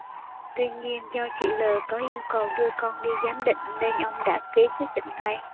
tuy nhiên do chị l có yêu cầu đưa con đi giám định nên ông đã ký quyết định ngay